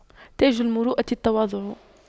تاج المروءة التواضع